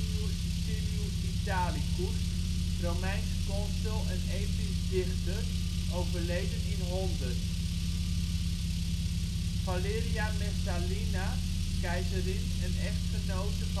Italicus, Romeins consul en episch dichter (overleden 100) Valeria Messalina, keizerin en